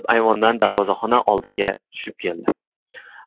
ayvondan darvozaxona oldiga tushib keldi